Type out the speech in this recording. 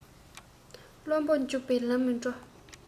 བློན པོ འཇུག པའི ལམ མི འགྲོ